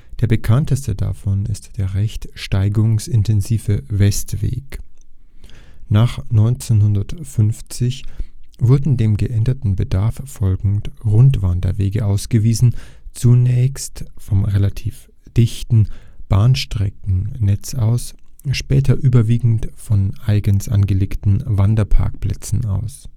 Der bekannteste davon ist der recht steigungsintensive Westweg. Nach 1950 wurden, dem geänderten Bedarf folgend, Rundwanderwege ausgewiesen, zunächst vom relativ dichten Bahnstreckennetz aus, später überwiegend von eigens angelegten Wanderparkplätzen aus